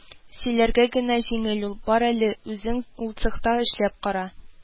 Сөйләргә генә җиңел ул, бар әле, үзең ул цехта эшләп кара